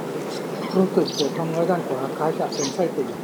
รู้สึกปวดท้องน้อยด้านขวาคล้ายจะเป็นไส้ติ่ง